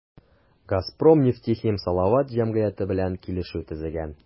“газпром нефтехим салават” җәмгыяте белән килешү төзелгән.